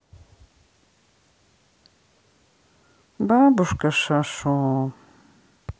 бабушка шошо